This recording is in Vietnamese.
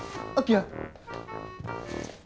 ơ kìa sao